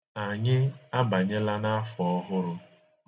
Anyị abanyela n'afọ ọhụrụ.